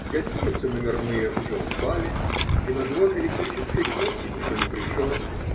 В гостинице номерные уже спали, и на звон электрической кнопки никто не пришел